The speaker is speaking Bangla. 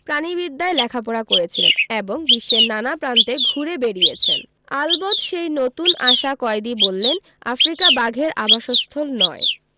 প্রাণিবিদ্যায় লেখাপড়া করেছিলেন এবং বিশ্বের নানা প্রান্তে ঘুরে বেড়িয়েছেন আলবত সেই নতুন আসা কয়েদি বললেন আফ্রিকা বাঘের আবাসস্থল নয়